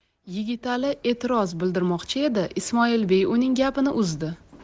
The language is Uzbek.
yigitali e'tiroz bildirmoqchi edi ismoilbey uning gapini uzdi